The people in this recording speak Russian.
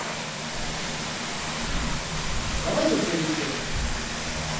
давай я тебя люблю